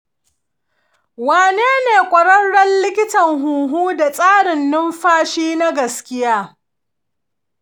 wane ne ƙwararren likitan huhu da tsarin numfashi na gaskiya?